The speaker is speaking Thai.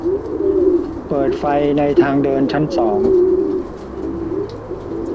เปิดไฟในทางเดินชั้นสอง